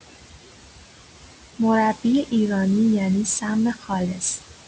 مربی ایرانی یعنی سم خالص